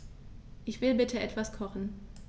Ich will bitte etwas kochen.